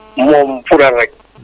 moom puudar rek